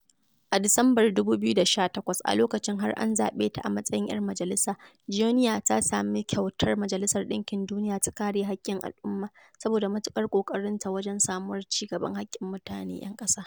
A Disambar 2018, a lokacin har an zaɓe ta a matsayin 'yar majalisa, Joenia ta sami kyautar Majalisar ɗinkin Duniya ta kare haƙƙin al'umma, saboda matuƙar ƙoƙarinta wajen samuwar cigaban haƙƙoƙin mutane 'yan ƙasa.